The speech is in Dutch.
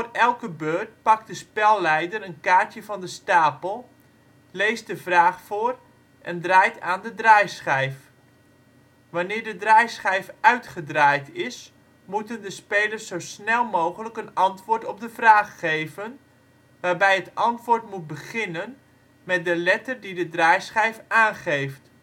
elke beurt pakt de spelleider een kaartje van de stapel, leest de vraag voor en draait aan de draaischijf. Wanneer de draaischijf uitgedraaid is, moeten de spelers zo snel mogelijk een antwoord op de vraag geven, waarbij het antwoord moet beginnen met de letter die de draaischijf aangeeft